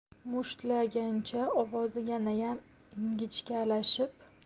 mushtlagancha ovozi yanayam ingichkalashib